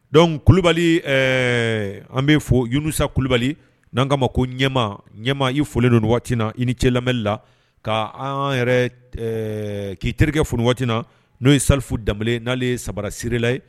Donc kulubali an bɛ fɔ ɲinsa kulubali n'an ka ma ko ɲɛma ɲɛma i folilen don waati na i ni cɛ lamɛnmɛlirila k' an yɛrɛ k'i terikɛ f waati na n'o ye safu da n'ale ye sabarasierela ye